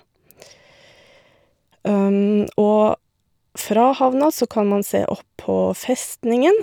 Og fra havna så kan man se opp på festningen.